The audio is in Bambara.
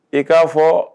I k'a fɔ